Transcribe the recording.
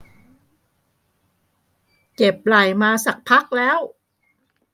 เจ็บไหล่มาสักพักแล้ว